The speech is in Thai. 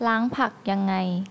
ล้างผักยังไง